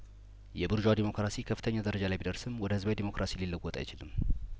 የቡርዧ ዴሞክራሲ ከፍተኛ ደረጃ ላይ ቢደርስም ወደ ህዝባዊ ዴሞክራሲ ሊለወጥ አይችልም